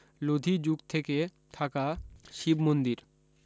লোধী যুগ থেকে থাকা শিব মন্দির